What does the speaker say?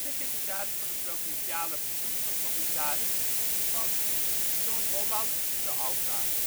secretaris van de Provinciale Voedselcommissaris van Noord-Holland te Alkmaar